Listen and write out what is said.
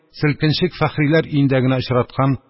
Селкенчек Фәхриләр өендә генә очраткан